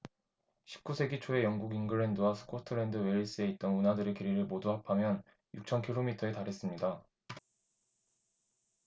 십 구 세기 초에 영국 잉글랜드와 스코틀랜드 웨일스에 있던 운하들의 길이를 모두 합하면 육천 킬로미터에 달했습니다